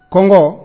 Kɔngɔ